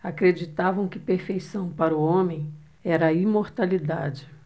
acreditavam que perfeição para o homem era a imortalidade